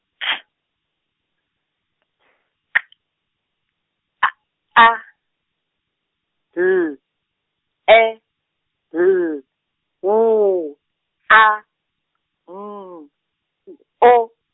T, A, L E L W A N O.